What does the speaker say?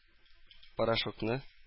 Порошокны